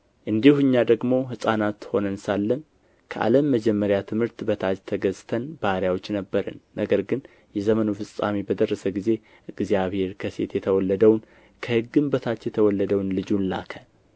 እንዲሁ እኛ ደግሞ ሕፃናት ሆነን ሳለን ከዓለም መጀመሪያ ትምህርት በታች ተገዝተን ባሪያዎች ነበርን ነገር ግን የዘመኑ ፍጻሜ በደረሰ ጊዜ እግዚአብሔር ከሴት የተወለደውን ከሕግም በታች የተወለደውን ልጁን ላከ